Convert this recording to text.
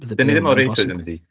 Fyddai ddim ...